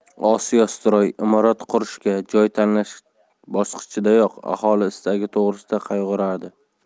osiyo stroy imorat qurishga joy tanlash bosqichidayoq aholi istagi to'g'risida qayg'uradi